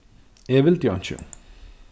eg vildi einki